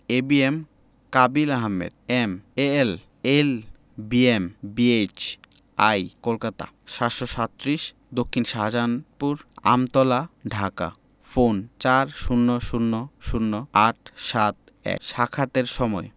A B M Kabil Ahmed M A L L B M B H I Kolkata ৭৩৭ দক্ষিন Shahjahanpur Amtala Dhaka phone ৪০০০ ৮৭১ সাক্ষাতের সময়